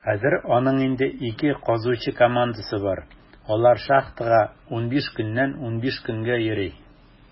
Хәзер аның инде ике казучы командасы бар; алар шахтага 15 көннән 15 көнгә йөри.